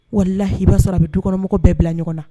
Walalahi'a sɔrɔ a bɛ dukɔnɔmɔgɔ bɛɛ bila ɲɔgɔn na